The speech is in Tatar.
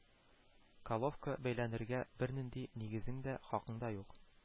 Коловка бәйләнергә бернинди нигезең дә, хакың да юк